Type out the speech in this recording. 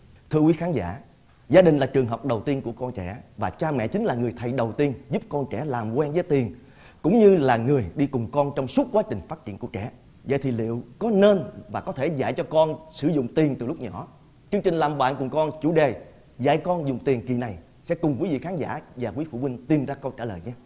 thưa quý khán giả gia đình là trường học đầu tiên của con trẻ và cha mẹ chính là người thầy đầu tiên giúp con trẻ làm quen với tiền cũng như là người đi cùng con trong suốt quá trình phát triển của trẻ vậy thì liệu có nên và có thể dạy cho con sử dụng tiền từ lúc nhỏ chương trình làm bạn cùng con chủ đề dạy con dùng tiền kỳ này sẽ cùng quý vị khán giả và quý phụ huynh tìm ra câu trả lời nhá